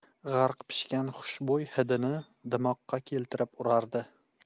g'arq pishgan xushbo'y hidini dimoqqa keltirib urardi